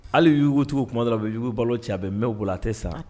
Hali y'uugucogo tuma dɔrɔn u yugu balo cɛbɛ m bolo a tɛ sa